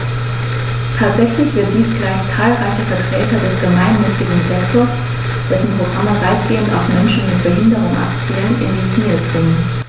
Tatsächlich wird dies gleich zahlreiche Vertreter des gemeinnützigen Sektors - dessen Programme weitgehend auf Menschen mit Behinderung abzielen - in die Knie zwingen.